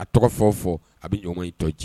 A tɔgɔ fɔw fɔ a bɛ ɲɔgɔn tɔ tiɲɛ